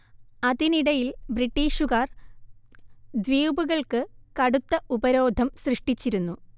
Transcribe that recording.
അതിനിടയിൽ ബ്രിട്ടീഷുകാർ ദ്വീപുകൾക്ക്‌ കടുത്ത ഉപരോധം സൃഷ്ടിച്ചിരുന്നു